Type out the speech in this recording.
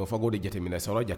Ɔɔ fa ko de jateminɛ sɔrɔ